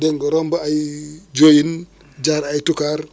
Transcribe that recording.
dégg nga romb ay Diohine jaar ay Toucar